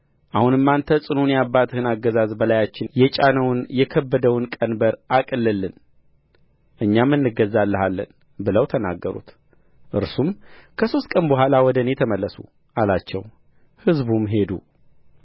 አሁንም አንተ ጽኑውን የአባትህን አገዛዝ በላያችንም የጫነውን የከበደውን ቀንበር አቅልልልን እኛም እንገዛልሃለን ብለው ተናገሩት እርሱም ከሦስት ቀን በኋላ ወደ እኔ ተመለሱ አላቸው ሕዝቡም ሄዱ